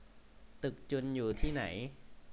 ตึกจุลอยู่ที่ไหน